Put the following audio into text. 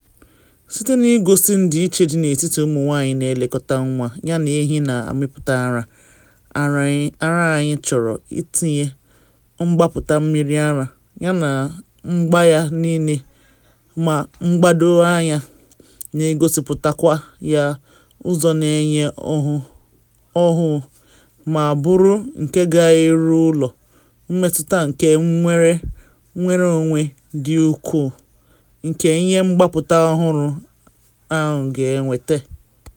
Site na igosi ndịiche n’etiti ụmụ nwanyị na elekọta nwa yana ehi na amịpụta mmiri ara anyị chọrọ itinye mgbapụta mmiri ara yana aka mgba ya niile na mgbado anya, na egosipụtakwa ya ụzọ na enye ọhụụ ma bụrụ nke gaa eru ụlọ, mmetụta nke nnwere onwe dị ukwuu nke ihe mgbapụta ọhụrụ ahụ ga-ewete.